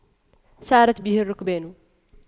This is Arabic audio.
سارت به الرُّكْبانُ